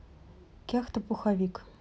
кяхта пуховик